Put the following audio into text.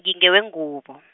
ngingewengubo.